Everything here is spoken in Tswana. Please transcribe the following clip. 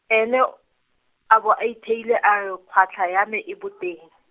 ene, a bo a itheile a re, kgwatlha ya me e boteng.